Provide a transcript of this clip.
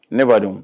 Ne ba dun